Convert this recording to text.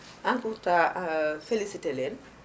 en tout ha félicité leen